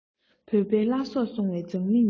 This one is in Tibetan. བོད པའི བླ སྲོག སྲུང བའི མཛངས མི ཡིན